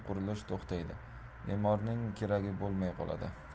qurilish to'xtaydi memorning keragi bo'lmay qoladir